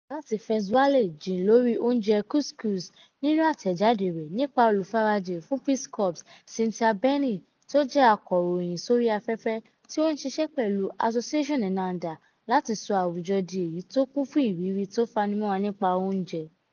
The View láti Fez walẹ̀ jìn lóri oúnjẹ couscous nínú àtẹ̀jáde rẹ̀ nípa olùfarajìn fún Peace Corps, Cynthia Berning (tó jẹ́ akọrọyìn sórí afẹ́fẹ́), tí ó ń ṣiṣẹ́ pẹ̀lu Association ENNAHDA láti sọ àwùjọ di èyí tó kún fún ìrírí tó fanimọ́ra nípa oúnje.